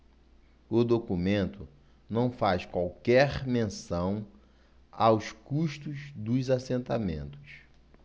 o documento não faz qualquer menção aos custos dos assentamentos